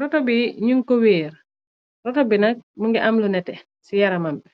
Roto bi ñun ko wéer roto bina mu ngi amlu nete ci yaramam bi